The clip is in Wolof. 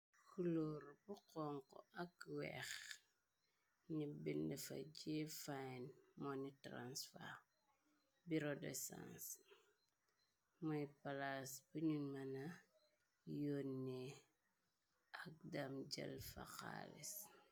Kuloor bu xonk ak weex ni bind fa jee fine money transfer beruaredesanse .Mooy palaas buñu mëna yoonne ak dam jël fa xaalis.